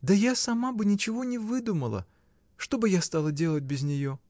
— Да я сама бы ничего не выдумала: что бы я стала делать без нее?